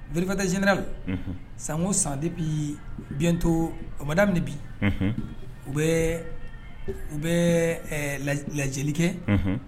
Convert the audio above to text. Vérificateur général . Unhun. San o san ale b'ii bientôt o ma daminɛ bi. Unhun. U bɛɛ u bɛɛ ɛɛ lajɛli kɛ. Uhun